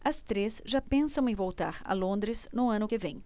as três já pensam em voltar a londres no ano que vem